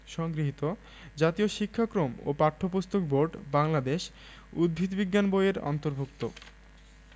সংগৃহীত জাতীয় শিক্ষাক্রম ও পাঠ্যপুস্তক বোর্ড বাংলাদেশ উদ্ভিদ বিজ্ঞান বই এর অন্তর্ভুক্ত